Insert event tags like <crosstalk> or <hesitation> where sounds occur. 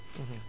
<hesitation> <hesitation>